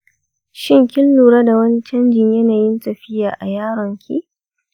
shin kin lura da wani canjin yanayin tafiya a yaron ki?